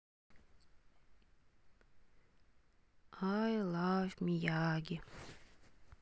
ай лав мияги